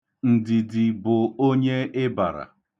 Ndidi bụ onye ịbara.